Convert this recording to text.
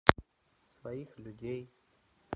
своих людей